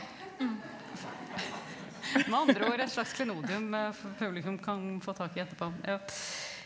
med andre år et slags klenodium publikum kan få tak i etterpå ja.